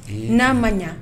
N'a man